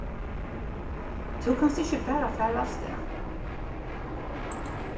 tú kanst ikki bara fara avstað